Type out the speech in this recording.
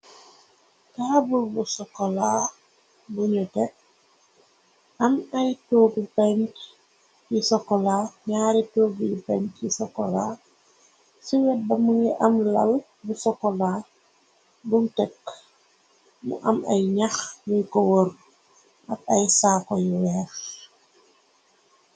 taabul bu sokola bunu tek am ay toho benc yi sokola naari togbi yi benc yi sokola ciwet bama ngi am lal bu sokolaa bun tekk mu am ay ñax yuy ko wër am ay saakoyi weex.